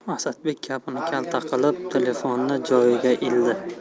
asadbek gapni kalta qilib telefonni joyiga ildi